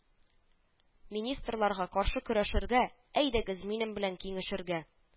Министрларга каршы көрәшергә әйдәгез минем белән киңәшергә